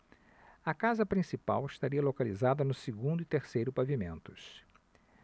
a casa principal estaria localizada no segundo e terceiro pavimentos